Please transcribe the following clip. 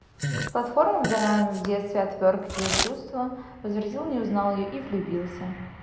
платформа в дораме в детстве отверг ее чувства возразил не узнал ее и влюбился